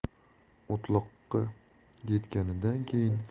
o'tloqqa yetganidan keyin